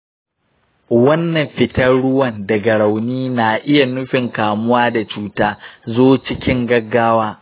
wannan fitar ruwan daga rauni na iya nufin kamuwa da cuta; zo cikin gaggawa.